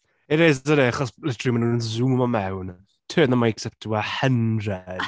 It is, isn’t it achos literally maen nhw’n sŵmo mewn, turn the mics up to a hundred.